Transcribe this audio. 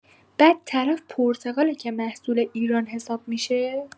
بعد طرف پرتقاله که محصول ایران حساب می‌شه؟